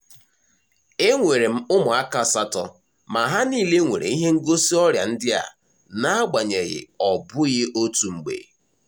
"Enwere m ụmụaka asatọ, ma ha niile nwere ihe ngosi ọrịa ndị a, n'agbanyeghị ọ bụghị otu mgbe